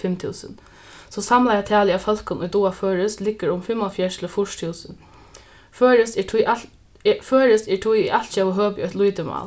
fimm túsund so samlaða talið av fólkum ið duga føroyskt liggur um fimmoghálvfjerðs til fýrs túsund føroyskt er tí føroyskt er tí í altjóða høpi eitt lítið mál